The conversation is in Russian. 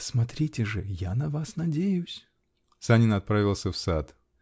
Смотрите же: я на вас надеюсь! Санин отправился в сад.